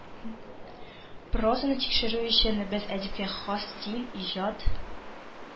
Прозаны тикшерү өчен, без әдипкә хас стиль, иҗат